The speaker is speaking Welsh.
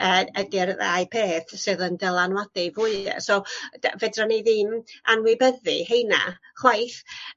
yy ydi'r ddau peth sydd yn dylanwadu fwya so dy- fedran ni ddim anwybyddu 'heina chwaith.